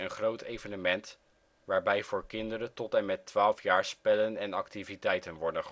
groot evenement waarbij voor kinderen tot en met 12 jaar spellen en activiteiten worden